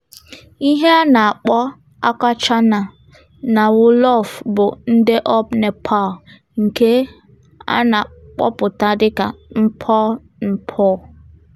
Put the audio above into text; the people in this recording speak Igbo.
Ihe a na-akpọ "akọchana" na Wolof bụ ndeup neupal (nke a na-akpọpụta dịka "n-puh n-puh")